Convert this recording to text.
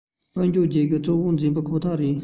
དཔལ འབྱོར བརྗོད གཞི གཙོ བོར འཛིན པ ཁོ ཐག རེད